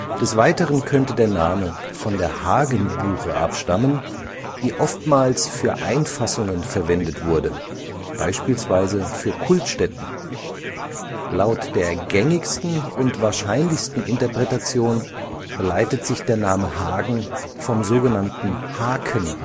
Des Weiteren könnte der Name von der Hagenbuche abstammen, die oftmals für Einfassungen verwendet wurde, beispielsweise für Kultstätten. Laut der gängigsten und wahrscheinlichsten Interpretation leitet sich der Name Hagen von sogenannten „ Haken